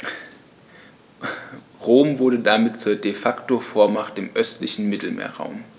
Rom wurde damit zur ‚De-Facto-Vormacht‘ im östlichen Mittelmeerraum.